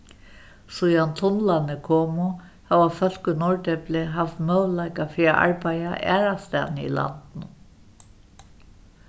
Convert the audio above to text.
síðan tunlarnir komu hava fólk í norðdepli havt møguleika fyri at arbeiða aðrastaðni í landinum